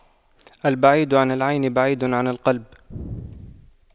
البعيد عن العين بعيد عن القلب